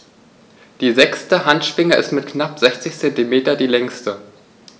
Die sechste Handschwinge ist mit knapp 60 cm die längste.